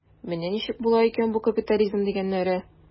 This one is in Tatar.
Менә ничек була икән бу капитализм дигәннәре.